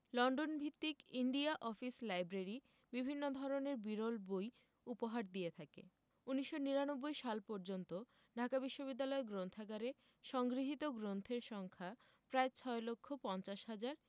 London ভিত্তিক India office library বিভিন্ন ধরনের বিরল বই উপহার দিয়ে থাকে ১৯৯৯ সাল পর্যন্ত ঢাকা বিশ্ববিদ্যালয় গ্রন্থাগারে সংগৃহীত গ্রন্থের সংখ্যা প্রায় ৬ লক্ষ ৫০ হাজার